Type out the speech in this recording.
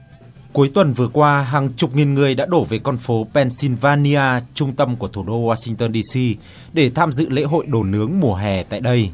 cuối tuần vừa qua hàng chục nghìn người đã đổ về con phố ben xin va ni a trung tâm của thủ đô oa sing tơn đi xi để tham dự lễ hội đồ nướng mùa hè tại đây